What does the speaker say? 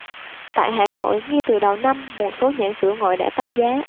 tại hà nội ngay từ đầu năm một số nhãn sữa ngoại đã tăng giá